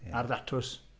Ar ddatws.